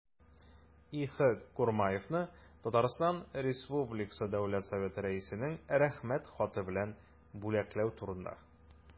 И.Х. Курмаевны Татарстан республикасы дәүләт советы рәисенең рәхмәт хаты белән бүләкләү турында